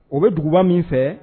O bɛ duguba min fɛ